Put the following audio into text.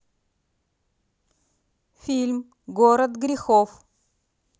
фильм город грехов